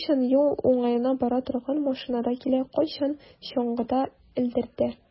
Кайчан юл уңаена бара торган машинада килә, кайчан чаңгыда элдертә.